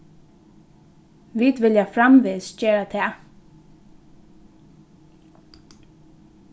vit vilja framvegis gera tað